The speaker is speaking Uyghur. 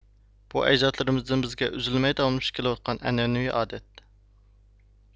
بۇ ئەجدادلىرىمىزدىن بىزگىچە ئۈزۈلمەي داۋاملىشىپ كېلىۋاتقان ئەنئەنىۋى ئادەت